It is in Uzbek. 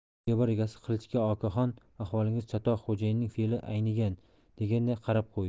videobar egasi qilichga okaxon ahvolingiz chatoq xo'jayinning fe'li aynigan deganday qarab qo'ydi